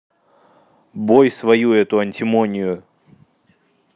бой свою эту антимонию